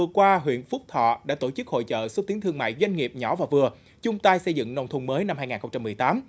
vừa qua huyện phúc thọ đã tổ chức hội chợ xúc tiến thương mại doanh nghiệp nhỏ và vừa chung tay xây dựng nông thôn mới năm hai nghìn không trăm mười tám